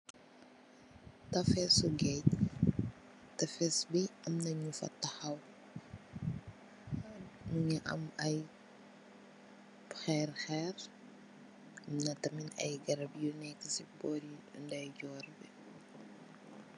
Tefessu gaaj, tefess ngi am na ñu fa taxaw mugii am ay xeer xeer, am na tamit ay garap yu nekka ci bóri ndayjoor bi.